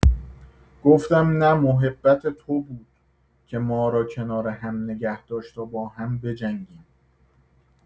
گفتم نه، محبت تو بود که ما را کنار هم نگه داشت تا با هم بجنگیم.